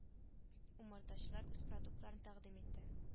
Умартачылар үз продуктларын тәкъдим итте